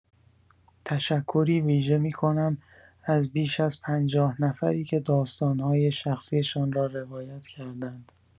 تشکری ویژه می‌کنم از بیش از پنجاه‌نفری که داستان‌های شخصی‌شان را روایت کردند.